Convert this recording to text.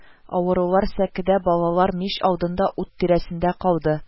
Авырулар сәкедә, балалар мич алдында, ут тирәсендә калды